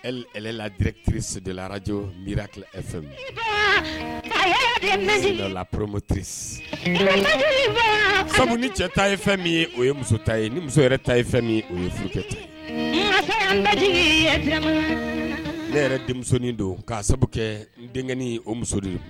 Ladretisilaraj mi e poromoti sabu ni cɛ ta ye fɛn min ye o ye muso ta ye ni muso yɛrɛ ta ye fɛn o ye furu kɛ ne yɛrɛ denmusonin don kaa sababu kɛ n denkɛ o muso de